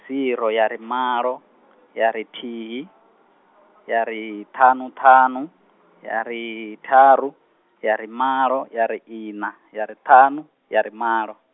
ziro ya ri malo, ya ri thihi, ya ri ṱhanu ṱhanu, ya ri ṱharu, ya ri malo, ya ri ina, ya ri ṱhanu, ya ri malo.